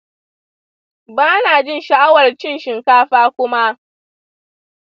ba na jin sha’awar cin shinkafa kuma.